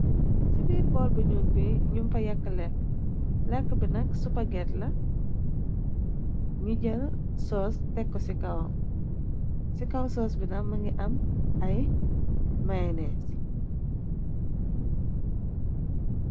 Ci biir bool bu nuur bi num fa yàkk lekk, lekk binak suparget la, ñu jël soos tekko ci kawan, ci kaw-soos bi na mëngi am ay mainees yi.